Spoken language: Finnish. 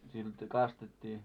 sitten kastettiin